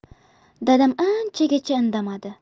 dadam anchagacha indamadi